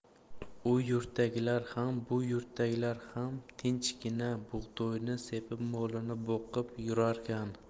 u yurtdagilar ham bu yurtdagilar ham tinchgina bug'doyni sepib molini boqib yurarkan